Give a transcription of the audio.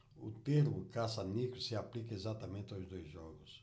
o termo caça-níqueis se aplica exatamente aos dois jogos